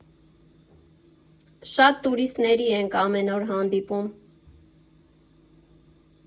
Շատ տուրիստների ենք ամեն օր հանդիպում.